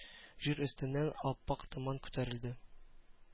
Җир өстеннән ап-ак томан күтәрелде.